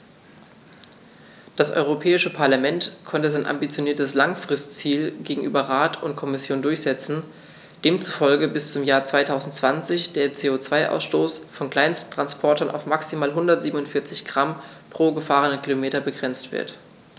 Das Europäische Parlament konnte sein ambitioniertes Langfristziel gegenüber Rat und Kommission durchsetzen, demzufolge bis zum Jahr 2020 der CO2-Ausstoß von Kleinsttransportern auf maximal 147 Gramm pro gefahrenem Kilometer begrenzt wird.